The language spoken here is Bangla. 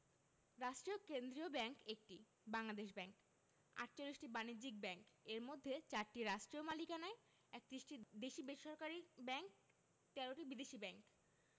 রাষ্ট্রীয় কেন্দ্রীয় ব্যাংক ১টি বাংলাদেশ ব্যাংক ৪৮টি বাণিজ্যিক ব্যাংক এর মধ্যে ৪টি রাষ্ট্রীয় মালিকানায় ৩১টি দেশী বেসরকারি ব্যাংক ১৩টি বিদেশী ব্যাংক